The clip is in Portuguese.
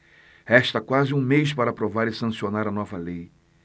resta quase um mês para aprovar e sancionar a nova lei